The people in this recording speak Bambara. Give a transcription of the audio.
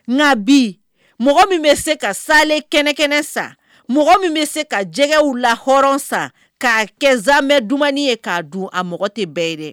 Nka bi mɔgɔ min bɛ se ka salen kɛnɛkɛnɛ sa mɔgɔ min bɛ se ka jɛgɛgɛw la hɔrɔn san ka kɛsan mɛn dumuni ye k'a dun a mɔgɔ tɛ bɛɛ ye